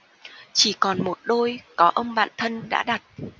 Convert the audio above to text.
chỉ còn một đôi có ông bạn thân đã đặt